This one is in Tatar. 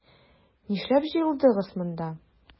Нишләп җыелдыгыз монда?